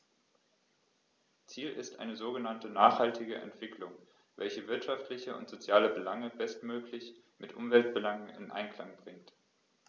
Ziel ist eine sogenannte nachhaltige Entwicklung, welche wirtschaftliche und soziale Belange bestmöglich mit Umweltbelangen in Einklang bringt.